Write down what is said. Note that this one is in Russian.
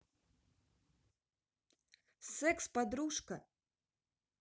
секс подружка